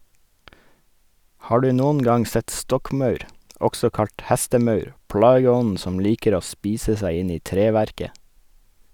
Har du noen gang sett stokkmaur, også kalt hestemaur, plageånden som liker å spise seg inn i treverket?